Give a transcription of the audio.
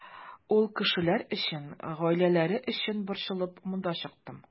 Ул кешеләр өчен, гаиләләре өчен борчылып монда чыктым.